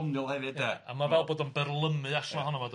A ma' fel bod o'n byrlymu allan ohono fo dydi...